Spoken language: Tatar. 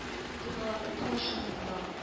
Торналарның тавышы моңлы